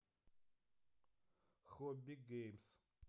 хобби геймс